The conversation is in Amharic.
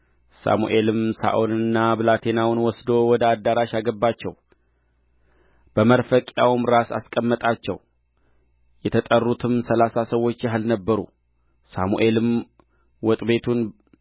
ሳሙኤልም ሳኦልንና ብላቴናውን ወስዶ ወደ አዳራሽ አገባቸው በመርፈቂያውም ራስ አስቀመጣቸው የተጠሩትም ሠላሳ ሰዎች ያህል ነበሩ ሳሙኤልም ወጥቤቱን